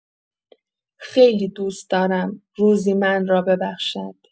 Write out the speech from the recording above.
خیلی دوست دارم روزی من را ببخشد.